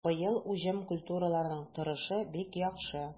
Быел уҗым культураларының торышы бик яхшы.